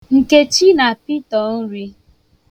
Nkechi na-apịtọ nri.